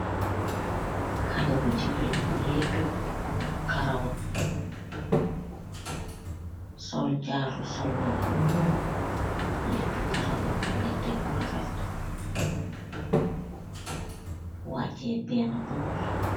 haleh bu jigeen bu lehtu kaaraw wambi.